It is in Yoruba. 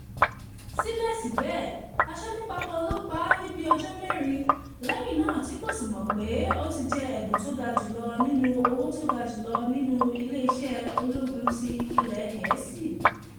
Síbẹ̀síbẹ̀, asọnipa kán ló pa á ní bí ọjọ̀ mẹ́rin lẹ́yìn náà tí kò sí mọ̀ pé ó ti jẹ ẹ̀bùn tó ga jùlọ nínú ọ́wọ̀ tó ga jùlọ nínú ilé iṣẹ́ ológun tí ilẹ̀ Gẹ́ẹ̀sì.